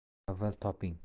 avval toping